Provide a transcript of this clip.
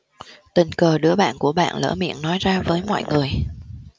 tình cờ đứa bạn của bạn lỡ miệng nói ra với mọi người